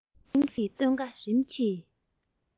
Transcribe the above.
ཟང ཟིང གི སྟོན ཀ རིམ གྱིས